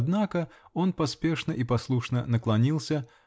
Однако поспешно и послушно наклонился.